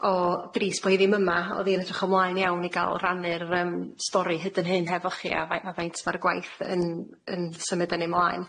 o drisd bo' hi ddim yma oddi'n edrych ymlaen iawn i gal rhannu'r yym stori hyd yn hyn hefo chi a fai- a faint ma'r gwaith yn yn symud yn ei mlaen.